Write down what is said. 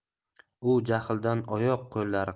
u jahldan oyoq qo'llari